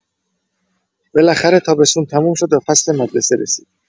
بالاخره تابستون تموم شد و فصل مدرسه رسید.